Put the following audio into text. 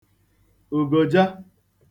ùgòja